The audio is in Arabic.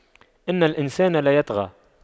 إِنَّ الإِنسَانَ لَيَطغَى